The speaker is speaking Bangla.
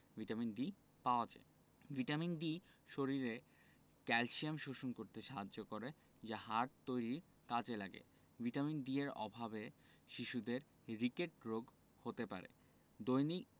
ভিটামিন D পাওয়া যায় ভিটামিন D শরীরে ক্যালসিয়াম শোষণ করতে সাহায্য করে যা হাড় তৈরীর কাজে লাগে ভিটামিন D এর অভাবে শিশুদের রিকেট রোগ হতে পারে দৈনিক